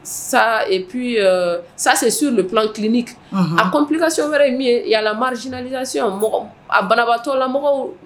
Ça et puis ça c'est sur le plan clinique ɔnhɔn, a complication wɛrɛ ye min ye Il y a la marginalistion mɔgɔ a banabatɔla mɔgɔw